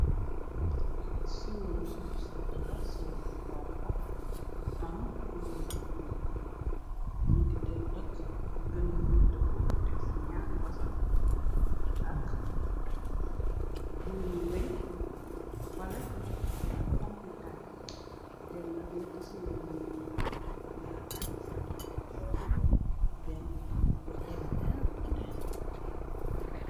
Lii siiwo ndox bu sedd la siwa bu konko am kubir bu bule mu ngi dendak gënn guñ dëpp teg ci ñaari basaŋ ak buumi weñ bala ak pompekaay dendak ñetti siwa yu ngimbalante ñaari siwoyuninu konko benn bi weex am lu nete.